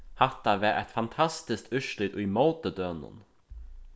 hatta var eitt fantastiskt úrslit ímóti dønum